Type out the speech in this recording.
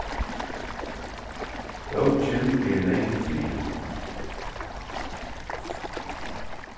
bókin er langdrigin